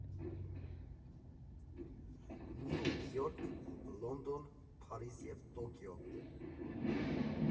Նյու Յորք, Լոնդոն, Փարիզ և Տոկիո։